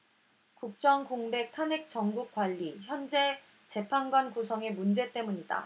국정 공백 탄핵 정국 관리 헌재 재판관 구성의 문제 때문이다